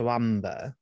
O Amber.